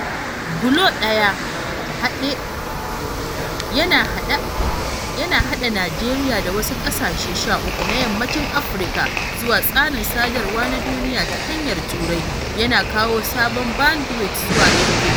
GLO-1 yana haɗa Najeriya da wasu ƙasashe 13 na Yammacin Afirka zuwa tsarin sadarwa na duniya ta hanyar Turai, yana kawo sabon bandwidth zuwa yankin.